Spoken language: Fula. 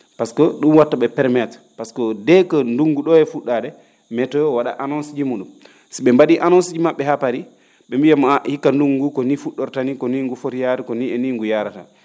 pasque ?um watta ?e permettre pasque des que ndunngu ?oo e fu??aade météo wa?a anoonce ji muu?um si ?e mba?ii annonce ji ma??e haa parii ?e mbiya maa hikka ndunngu ngu ko nii fu??orta nin ko nii ngu fori yaarude konii nii e nii ngu yaarara